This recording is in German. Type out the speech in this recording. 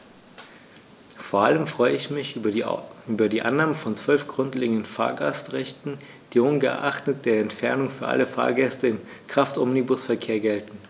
Vor allem freue ich mich über die Annahme von 12 grundlegenden Fahrgastrechten, die ungeachtet der Entfernung für alle Fahrgäste im Kraftomnibusverkehr gelten.